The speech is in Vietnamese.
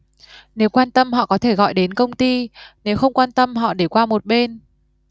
nếu quan tâm họ có thể gọi đến công ty nếu không quan tâm họ để qua một bên